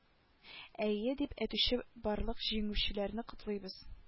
Әйе дип әйтүче барлык җиңүчеләрне котлыйбыз